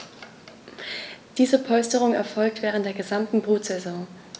Diese Polsterung erfolgt während der gesamten Brutsaison.